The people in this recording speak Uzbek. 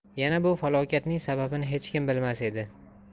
yana bu falokatning sababini hech kim bilmas edi